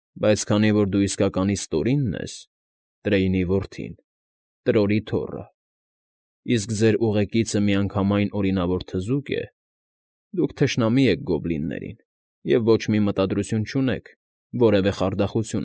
Բայց քանի որ դու իսկականից Տորինն ես, Տրեյնի որդին, Տրորի թոռը, իսկ ձեր ուղեկիցը միանգամայն օրինավոր թզուկ է, դուք թշնամի եք գոբլիններին և ոչ մի մտարդությու չունեք որևէ խարդախություն։